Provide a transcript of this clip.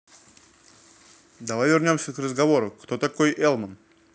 давай вернемся к разговору кто такой elman